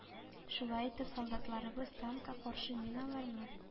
Шулай итеп, солдатларыбыз танкка каршы миналарны